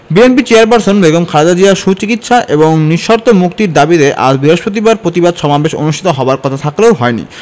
BNP chairperson Begum Khaleda জিয়ার সুচিকিৎসা এবং নিঃশর্ত মুক্তির দাবিতে আজ বৃহস্পতিবার প্রতিবাদ সমাবেশ অনুষ্ঠিত হবার কথা থাকলেও হয়নি